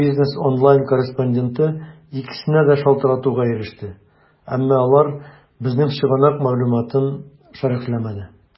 "бизнес online" корреспонденты икесенә дә шалтыратуга иреште, әмма алар безнең чыганак мәгълүматын шәрехләмәде.